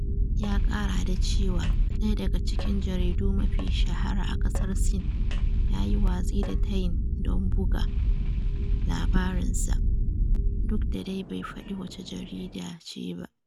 Ya kara da cewa "daya daga cikin jaridu mafi shahara a kasar Sin ya yi watsi da tayin don buga" labarinsa, duk da dai bai fadi wace jarida ce ba.